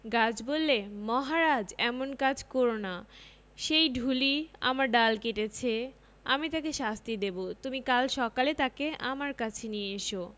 গাছ বললে মহারাজ এমন কাজ কর না সেই ঢুলি আমার ডাল কেটেছে আমি তাকে শাস্তি দেব তুমি কাল সকালে তাকে আমার কাছে নিয়ে এস